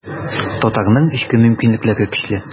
Татарның эчке мөмкинлекләре көчле.